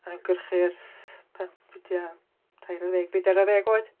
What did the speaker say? Yn ymgyrchu ers pan dwi tua tair ar ddeg pedwar ar ddeg oed.